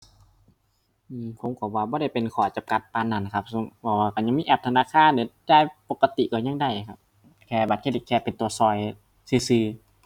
อือ ผมก็ว่าบ่ได้เป็นข้อจำกัดปานนั้นครับ ซุ เว้าว่าก็ยังมีแอปธนาคารนี่จ่ายปกติก็ยังได้ครับ แค่บัตรเครดิตแค่เป็นก็ก็ซื่อซื่อ